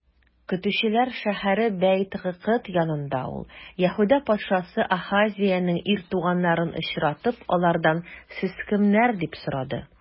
Көтүчеләр шәһәре Бәйт-Гыкыд янында ул, Яһүдә патшасы Ахазеянең ир туганнарын очратып, алардан: сез кемнәр? - дип сорады.